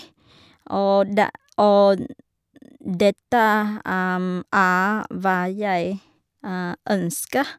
og de Og dette er hva jeg ønsker.